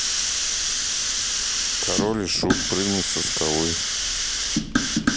король и шут прыгнуть со скалы